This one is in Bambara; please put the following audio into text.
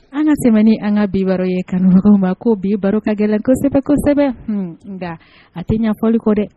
An ka tɛmɛni an ka biba ye kanu ma ko bi baro ka gɛlɛn kosɛbɛ kosɛbɛ nka a tɛ ɲɛ paulliko dɛ